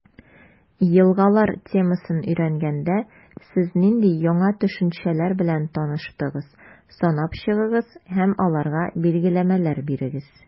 «елгалар» темасын өйрәнгәндә, сез нинди яңа төшенчәләр белән таныштыгыз, санап чыгыгыз һәм аларга билгеләмәләр бирегез.